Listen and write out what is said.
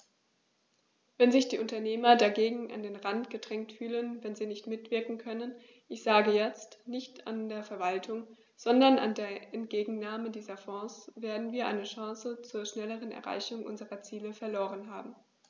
Wenn sich die Unternehmer dagegen an den Rand gedrängt fühlen, wenn sie nicht mitwirken können ich sage jetzt, nicht nur an der Verwaltung, sondern an der Entgegennahme dieser Fonds , werden wir eine Chance zur schnelleren Erreichung unserer Ziele verloren haben.